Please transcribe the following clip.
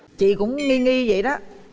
chị cũng nghi nghi vậy đó